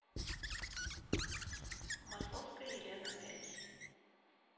масловская елена пять